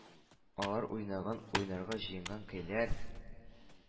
Алар уйнаган, уйнарга җыенган көйләр,